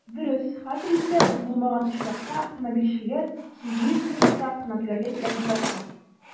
Дөрес, хәзер исә ул булмаган очракта автомобильчегә 800 сум штраф кына түләргә кирәк булачак.